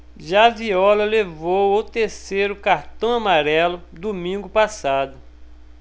já viola levou o terceiro cartão amarelo domingo passado